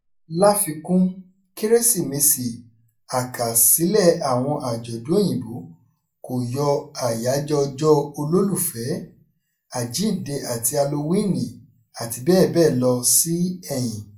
Láfikún-un Kérésìmesì, àkàsílẹ̀ àwọn àjọ̀dún Òyìnbó kò yọ Àyájọ́ Ọjọ́ Olólùfẹ́, Àjíǹde àti Halowíìnì, àti bẹ́ẹ̀ bẹ́ẹ̀ lọ sí ẹ̀yìn.